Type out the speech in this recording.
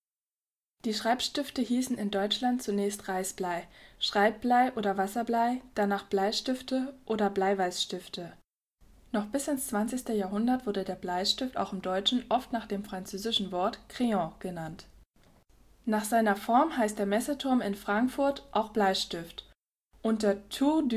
Die Schreibstifte hießen in Deutschland zunächst Reißblei, Schreibblei oder Wasserblei, danach Bleistifte oder Bleiweißstifte. Noch bis ins 20. Jahrhundert wurde der Bleistift auch im Deutschen oft nach dem französischen Wort Crayon genannt. Nach seiner Form heißt der Messeturm in Frankfurt auch „ Bleistift “und der Tour